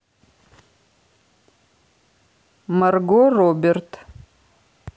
марго роберт